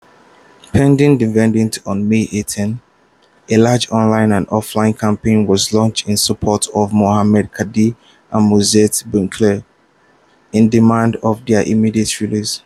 Pending the verdict on May 18, a large online and offline campaign was launched in support of Mohand Kadi and Moez Benncir in demand of their immediate release.